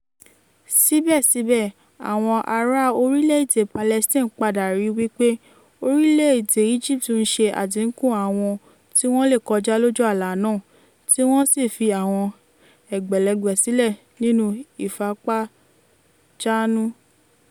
Síbẹ̀síbẹ̀, àwọn ará orílẹ̀-èdè Palestine padà ríi wípé orílẹ̀-èdè Egypt ń ṣe àdínkù àwọn tí wọ́n le kọjá lójú àlà náà, tí wọ́n sì fi àwọn ẹgbẹ̀lẹ́gbẹ̀ sílẹ̀ nínú ìfapájánú.